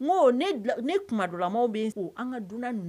Ne kuma dɔla maaww bɛ an ka dunan